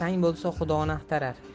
bo'lsa xudoni axtarar